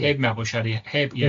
Heb mabwysiadu, heb ie.